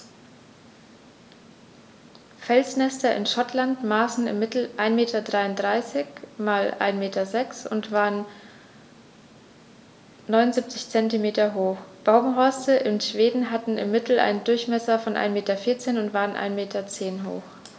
Felsnester in Schottland maßen im Mittel 1,33 m x 1,06 m und waren 0,79 m hoch, Baumhorste in Schweden hatten im Mittel einen Durchmesser von 1,4 m und waren 1,1 m hoch.